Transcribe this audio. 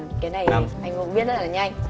cái này anh vũ viết rất là nhanh